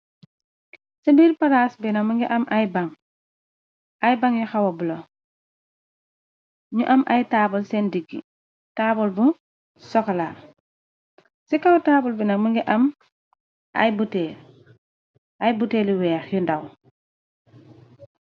Si mbiir palaas bi nak mingi am ay bang, ay bang yu xawa bula, ñu am ay taabal seen diggi, taabal bu sokalaa, ci kaw taabal bi nak mi ngi am ay buteel, ay buteel yu weex yu ndaw.